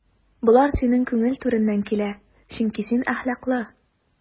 Болар синең күңел түреннән килә, чөнки син әхлаклы.